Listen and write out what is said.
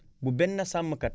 bu benn sàmmkat